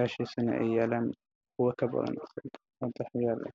ayuu saaraya dhalo